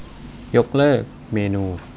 ยกเลิกเมนู